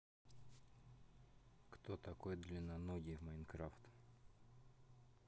кто такой длинноногий в minecraft